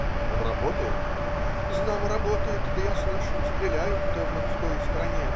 Он работает?" "Знамо, работает, да я слышу, стреляют-то вон в той стороне.